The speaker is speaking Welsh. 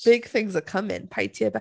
Big things are coming. Paid ti â be-...